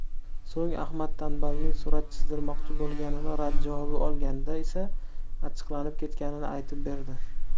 so'ng ahmad tanbalning surat chizdirmoqchi bo'lganini rad javobi olganda esa achchiqlanib ketganini aytib berdi